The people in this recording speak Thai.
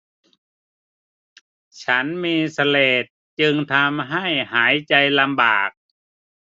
ฉันมีเสลดจึงทำให้หายใจลำบาก